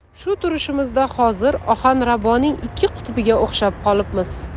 shu turishimizda hozir ohanraboning ikki qutbiga o'xshab qolibmiz